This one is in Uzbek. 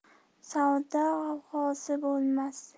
savdo g'avg'osiz bo'lmas